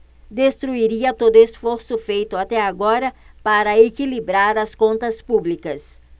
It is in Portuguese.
destruiria todo esforço feito até agora para equilibrar as contas públicas